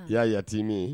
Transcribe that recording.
Yaa yatimi